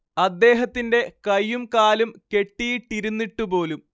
അദ്ദേഹത്തിന്റെ കൈയും കാലും കെട്ടിയിട്ടിരുന്നിട്ടുപോലും